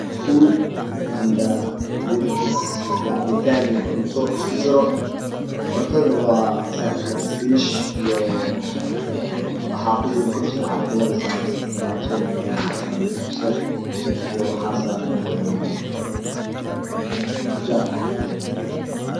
Food and drinks waa cabitaan iyo cunto isku jiro cuntadana waa saa filaayo fish iyoo waxaa ku jiro korkiisa waxaa kawada saaran ansalaato iyo waxaa saaran kabsar iyo waxaa saaran een qajaar